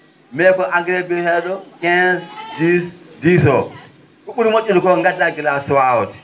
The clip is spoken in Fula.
mais ko engrais biyete?o 15 10 10 o ko ?uri mo??ude ko gadda gila a suwaa aawde